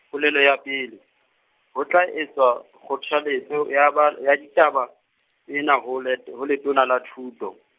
polelo ya pele, ho tla etswa kgothaletso ya ba, ya ditaba, tsena ho Let-, ho Letona la Thuto.